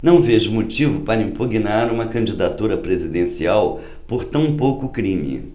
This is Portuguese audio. não vejo motivo para impugnar uma candidatura presidencial por tão pouco crime